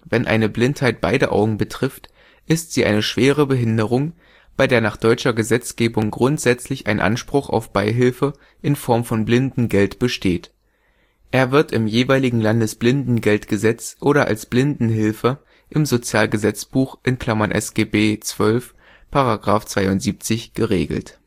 Wenn eine Blindheit beide Augen betrifft, ist sie eine schwere Behinderung, bei der nach deutscher Gesetzgebung grundsätzlich ein Anspruch auf Beihilfe in Form von Blindengeld besteht. Er wird im jeweiligen Landesblindengeldgesetz oder als Blindenhilfe im Sozialgesetzbuch (SGB XII § 72) geregelt